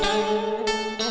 bông